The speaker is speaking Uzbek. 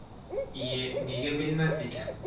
iye nega bilmas ekan